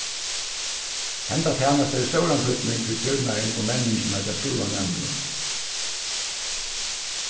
henda tænasta hevur stóran týdning fyri trivnaðin og menningina hjá skúlanæmingunum